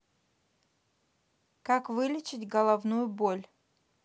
как вылечить головную боль